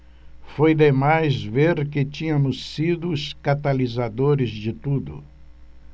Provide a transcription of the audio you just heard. foi demais ver que tínhamos sido os catalisadores de tudo